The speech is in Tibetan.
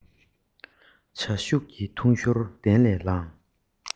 ཇ ཤུགས ཀྱིས འཐུང ཞོར གདན ལས ལངས